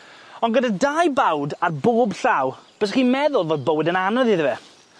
Ond gyda dau bawd ar bob llaw bysach chi'n meddwl fod bywyd yn anodd iddo fe.